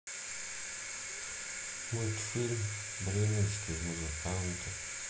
мультфильм бременские музыканты